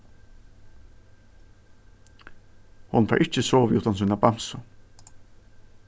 hon fær ikki sovið uttan sína bamsu